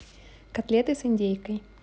котлеты с индейкой